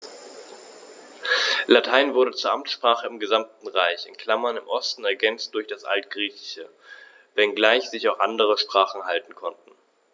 Latein wurde zur Amtssprache im gesamten Reich (im Osten ergänzt durch das Altgriechische), wenngleich sich auch andere Sprachen halten konnten.